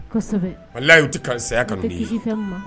Kosɛbɛ walahi u ti ka saya kanuni ye i te kisi fɛn min ma